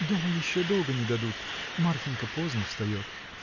— Дома еще долго не дадут: Марфинька поздно встает.